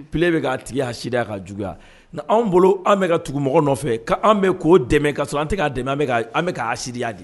Pele e bɛ k'a tigi juguya, anw bolo an bɛka tugu mɔgɔ nɔfɛ k'an bɛ k'o dɛmɛ k'an k'o dɛmɛ an bɛka kɛ haasidiya ye